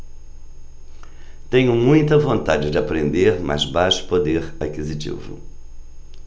tenho muita vontade de aprender mas baixo poder aquisitivo